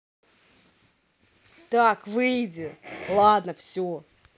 так выйди ладно все